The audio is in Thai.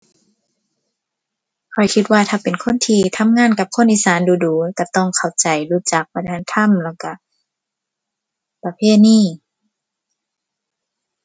ข้อยคิดว่าถ้าเป็นคนที่ทำงานกับคนอีสานดู๋ดู๋ก็ต้องเข้าใจ รู้จักวัฒนธรรม แล้วก็ประเพณี